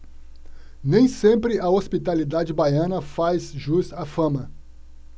nem sempre a hospitalidade baiana faz jus à fama